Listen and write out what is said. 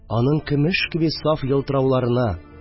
Аның көмеш кеби саф елтырауларына